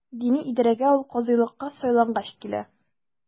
Дини идарәгә ул казыйлыкка сайлангач килә.